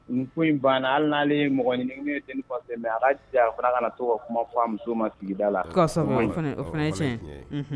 Nin ko in bannaale mɔgɔɲini denfa ala a ka to ka kuma fɔ a muso ma sigida la